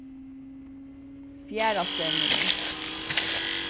fjarðastevnuni